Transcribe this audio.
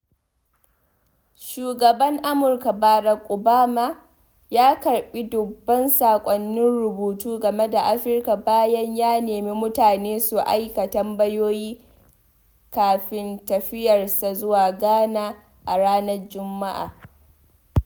Shugaban Amurka, Barack Obama, ya karɓi dubban saƙonnin rubutu game da Afirka bayan ya nemi mutane su aika tambayoyi kafin tafiyarsa zuwa Ghana a ranar Jumma’a.